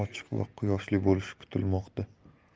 ochiq va quyoshli bo'lishi kutilmoqda